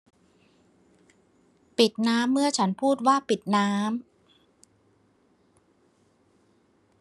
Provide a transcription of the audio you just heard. ปิดน้ำเมื่อฉันพูดว่าปิดน้ำ